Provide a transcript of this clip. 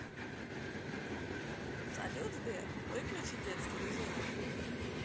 салют сбер выключи детский режим